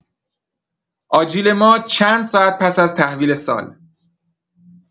آجیل ما چند ساعت پس‌از تحویل سال!